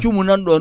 cuumu nanɗo